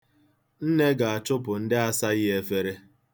Nne ga-achụpụ ndị asaghị efere.